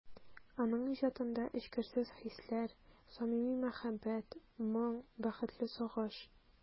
Аның иҗатында эчкерсез хисләр, самими мәхәббәт, моң, бәхетле сагыш...